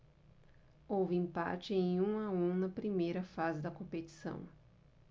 houve empate em um a um na primeira fase da competição